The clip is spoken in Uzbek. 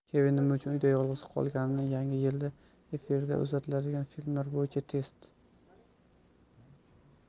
kevin nima uchun uyda yolg'iz qolgandi yangi yilda efirga uzatiladigan filmlar bo'yicha test